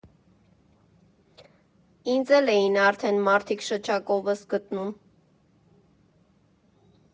Ինձ էլ էին արդեն մարդիկ շչակովս գտնում։